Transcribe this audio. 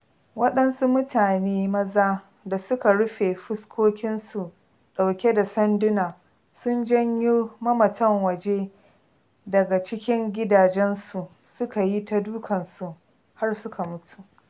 Waɗansu mutane maza da suka rufe fuskokinsu ɗauke da sanduna sun janyo mamatan waje daga cikin gidajensu suka yi ta dukansu har suka mutu.